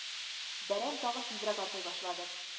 Бәрән тагын тизрәк атлый башлады